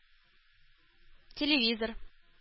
Телевизор